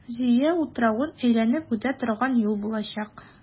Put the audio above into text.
Зөя утравын әйләнеп үтә торган юл булачак.